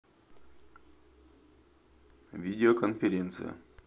видеоконференция